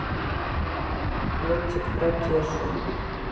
мультик про кешу